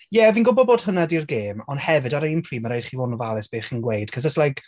Ie fi'n gwbod bod hwn ydy'r gem, ond hefyd, ar yr un pryd, mae'n rhaid i chi fod yn ofalus be chi'n gweud. Cos it's like...